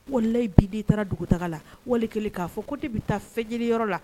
Walilayi billahi t k'a fɔ ko ne aara dugutaa la wali k'a fɔ ko ne de bɛ taa fɛn ɲini yɔrɔ la